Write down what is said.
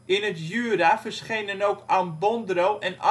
Jura verschenen ook Ambondro en Asfaltomylos